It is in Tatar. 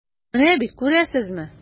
Менә бит, күрәсезме.